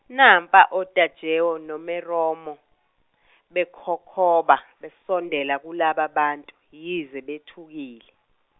nampa oTajewo noMeromo , bekhokhoba besondela kulaba bantu yize bethukile.